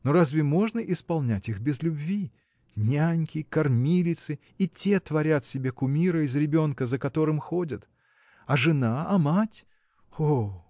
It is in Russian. но разве можно исполнять их без любви? Няньки кормилицы и те творят себе кумира из ребенка за которым ходят а жена, а мать! О